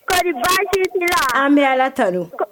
Kori baasi t'i la an be Ala tanu ko